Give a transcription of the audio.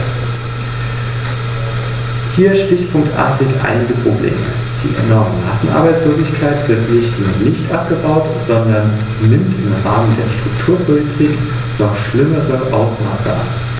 Deshalb möchte ich auf einige Probleme aufmerksam machen, denen sich die Kommission vorrangig widmen sollte.